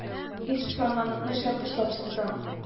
Игшанлыкны шәп очлап чыктың